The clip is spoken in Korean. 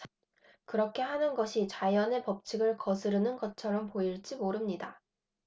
그렇게 하는 것이 자연의 법칙을 거스르는 것처럼 보일지 모릅니다